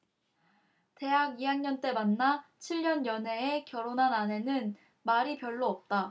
대학 이 학년 때 만나 칠 년 연애해 결혼한 아내는 말이 별로 없다